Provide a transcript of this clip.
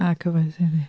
A cyfoes hefyd.